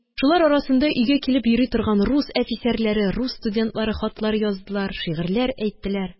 Шулар арасында өйгә килеп йөри торган рус әфисәрләре, рус студентлары хатлар яздылар, шигырьләр әйттеләр.